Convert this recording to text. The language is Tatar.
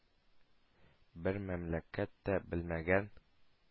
Бер мәмләкәт тә белмәгән,